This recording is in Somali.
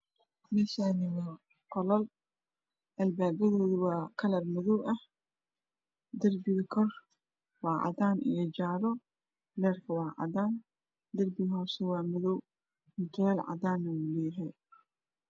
Meshan waa qolal albababkod waa kalar madow ah dibiga kor waa cadan io jale leerka waa cadan dhulka hoose waa cadan